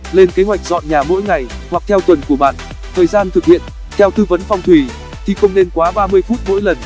lên kế hoạch dọn nhà mỗi ngày hoặc theo tuần của bạn thời gian thực hiện theo tư vấn phong thủy thì không nên quá phút mỗi lần